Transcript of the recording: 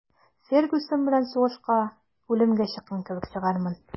«фергюсон белән сугышка үлемгә чыккан кебек чыгармын»